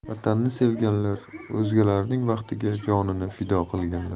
vatanini sevganlar o'zgalarning baxtiga jonini fido qilganlar